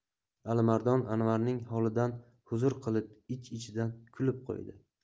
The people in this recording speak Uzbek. alimardon anvarning holidan huzur qilib ich ichidan kulib qo'ydi